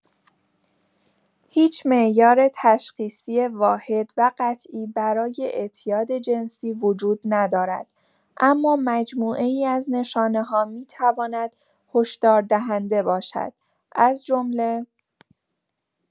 هیچ معیار تشخیصی واحد و قطعی برای اعتیاد جنسی وجود ندارد، اما مجموعه‌ای از نشانه‌ها می‌تواند هشداردهنده باشد، از جمله: